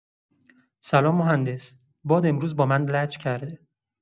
سلام مهندس، باد امروز با من لج کرده.